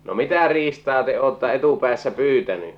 no mitä riistaa te olette etupäässä pyytänyt